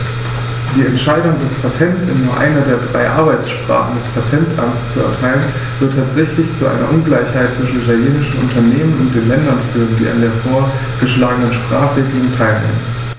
Die Entscheidung, das Patent in nur einer der drei Arbeitssprachen des Patentamts zu erteilen, wird tatsächlich zu einer Ungleichheit zwischen italienischen Unternehmen und den Ländern führen, die an der vorgeschlagenen Sprachregelung teilnehmen.